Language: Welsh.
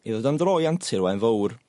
i ddod am dro i rantir Waun Fowr.